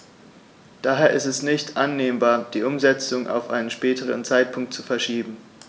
Daher ist es nicht annehmbar, die Umsetzung auf einen späteren Zeitpunkt zu verschieben.